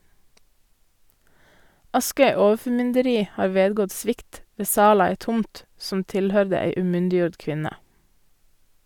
Askøy overformynderi har vedgått svikt ved sal av ei tomt som tilhøyrde ei umyndiggjord kvinne.